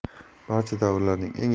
barcha davrlarning eng